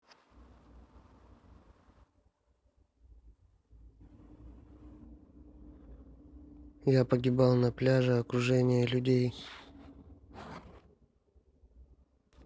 я погибал на пляже окружение людей